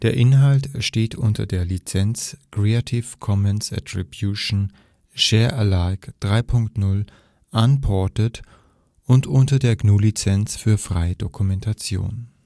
Inhalt steht unter der Lizenz Creative Commons Attribution Share Alike 3 Punkt 0 Unported und unter der GNU Lizenz für freie Dokumentation